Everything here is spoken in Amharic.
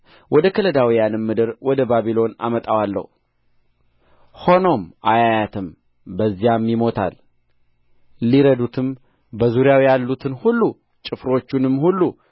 ወደ ከለዳውያንም ምድር ወደ ባቢሎን አመጣዋለሁ ሆኖም አያያትም በዚያም ይሞታል ሊረዱትም በዙሪያው ያሉትን ሁሉ ጭፍሮቹንም ሁሉ